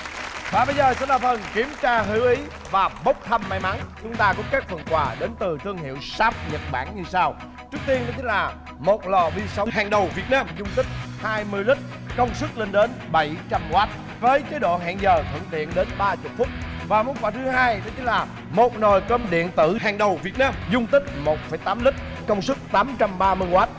và bây giờ sẽ là phần kiểm tra hiểu ý và bốc thăm may mắn chúng ta có các phần quà đến từ thương hiệu sáp nhật bản như sau trước tiên đó chính là một lò vi sóng hàng đầu việt nam dung tích hai mươi lít công suất lên đến bảy trăm oát với chế độ hẹn giờ thuận tiện đến ba chục phút và món quá thứ hai đó chính là một nồi cơm điện tử hàng đầu việt nam dung tích một phẩy tám lít công suất tám trăm ba mươi oát